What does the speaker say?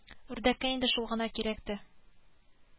Үрдәккә инде шул гына кирәк тә